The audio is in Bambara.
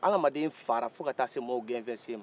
adamaden fagara fo ka taa se maaw gɛnfɛnsen ma